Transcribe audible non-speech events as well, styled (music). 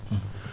(hesitation) (hesitation)